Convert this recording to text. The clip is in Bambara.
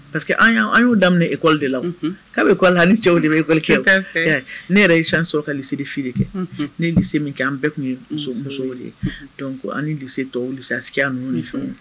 Parce que an y'o daminɛ e ko ale de la k' bɛ ko la ni cɛw de bɛ e ne yɛrɛ ic sɔrɔ kalisi fi kɛ ne min kɛ an bɛɛ tun ye musomuso ye ko an tɔw wilisiya ninnu ni fɛn